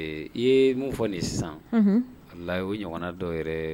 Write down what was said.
I ye min fɔ nin sisan o ɲɔgɔnna dɔ yɛrɛ